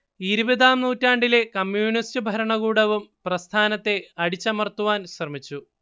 ഇരുപതാം നൂറ്റാണ്ടിലെ കമ്മ്യൂണിസ്റ്റു ഭരണകൂടവും പ്രസ്ഥാനത്തെ അടിച്ചമർത്താൻ ശ്രമിച്ചു